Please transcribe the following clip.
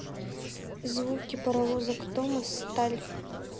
звуки паровозик томас сталь